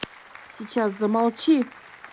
сейчас замолчи